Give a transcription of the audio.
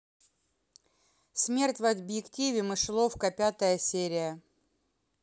смерть в объективе мышеловка пятая серия